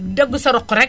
dëbb sa roq rekk